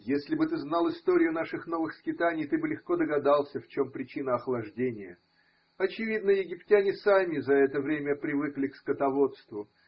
если бы ты знал историю наших новых скитаний, ты бы легко догадался, в чем причина охлаждения, – очевидно, египтяне сами за это время привыкли к скотоводству.